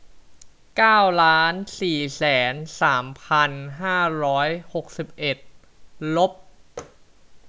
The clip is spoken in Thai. เก้าล้านสี่แสนสามพันห้าร้อยหกสิบเอ็ดลบ